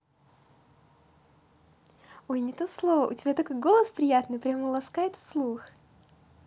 ой не то слово у тебя такой голос приятный прямо ласкает вслух